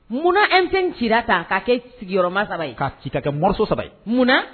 Munna M5 ci la tan k'a kɛ sigiyɔrɔma 3 ye k'a kɛ morceaux 3 ye mun na?